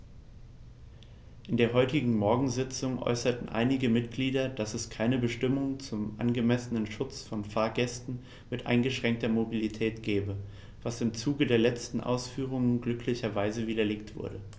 In der heutigen Morgensitzung äußerten einige Mitglieder, dass es keine Bestimmung zum angemessenen Schutz von Fahrgästen mit eingeschränkter Mobilität gebe, was im Zuge der letzten Ausführungen glücklicherweise widerlegt wurde.